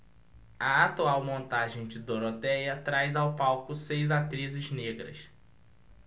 a atual montagem de dorotéia traz ao palco seis atrizes negras